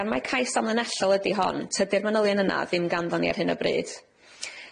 Gan mai cais amlinellol ydi hon tydi'r manylion yna ddim ganddon ni ar hyn o bryd.